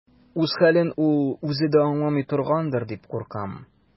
Үз хәлен ул үзе дә аңламый торгандыр дип куркам.